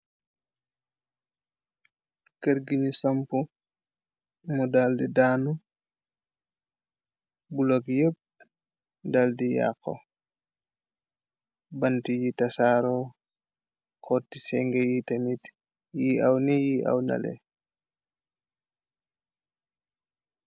Kërr gi ni sampu mo dal di daanu block épp dal di yaxo banti yi tesaaro xorti séngeh yi té mit yi aw ni yi aw nalé.